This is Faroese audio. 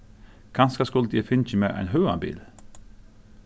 kanska skuldi eg fingið mær ein høgan bil